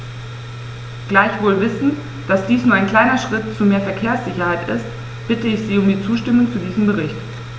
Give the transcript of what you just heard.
Gleichwohl wissend, dass dies nur ein kleiner Schritt zu mehr Verkehrssicherheit ist, bitte ich Sie um die Zustimmung zu diesem Bericht.